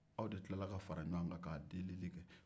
aw de tila ka fara ɲɔgɔn k'a deli-deli